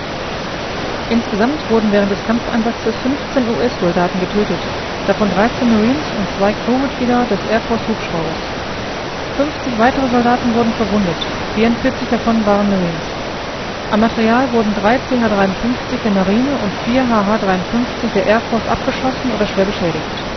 während des Kampfeinsatzes 15 US-Soldaten getötet, davon 13 Marines und zwei Crew-Mitglieder eines Air-Force-Hubschraubers. 50 weitere Soldaten wurden verwundet, 44 davon waren Marines. An Material wurden drei CH-53 der Marine und vier HH-53 der Air Force abgeschossen oder schwer beschädigt